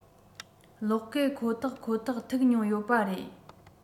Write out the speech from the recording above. གློག སྐས ཁོ ཐག ཁོ ཐག ཐུག མྱོང ཡོད པ རེད